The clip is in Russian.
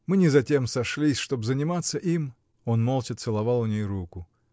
— Мы не затем сошлись, чтоб заниматься им. Он молча целовал у ней руку.